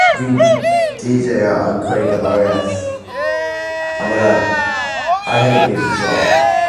Fi'n deejayo a'n creu cerdderieth a ma' wnna ar hyn o bryd yn job.